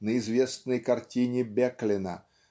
на известной картине Беклина